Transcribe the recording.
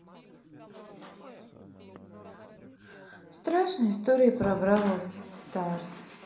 страшные истории про бравл старс